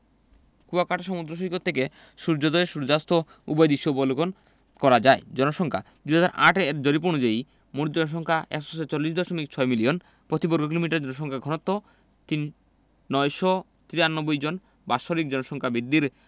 কুয়াকাটা সমুদ্র সৈকত থেকে সূর্যোদয় ও সূর্যাস্ত উভয় দৃশ্যই অবলোকন করা যায় জনসংখ্যাঃ ২০০৮ এর জরিপ অনুযায়ী মোট জনসংখ্যা ১৪৬দশমিক ৬ মিলিয়ন প্রতি বর্গ কিলোমিটারে জনসংখ্যার ঘনত্ব ৯৯৩ জন বাৎসরিক জনসংখ্যা বৃদ্ধির